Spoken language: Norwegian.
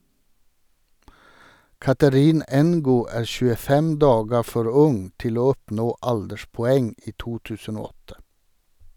Catherine Ngo er 25 dager for ung til å oppnå alderspoeng i 2008.